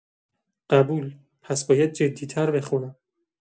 قبول، پس باید جدی‌تر بخونم.